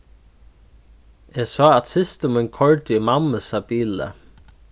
eg sá at systir mín koyrdi í mammusa bili